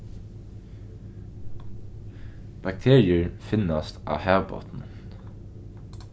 bakteriur finnast á havbotninum